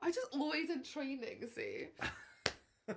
Always in training, see.